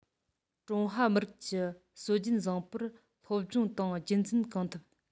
ཀྲུང ཧྭ མི རིགས ཀྱི སྲོལ རྒྱུན བཟང པོར སློབ སྦྱོང དང རྒྱུན འཛིན གང ཐུབ